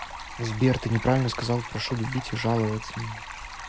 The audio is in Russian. сбер ты неправильно сказал прошу любить и жаловаться